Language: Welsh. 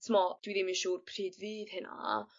t'mo' dwi ddim yn siŵr pryd fydd hynna.